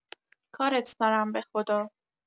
کارت دارم بخدا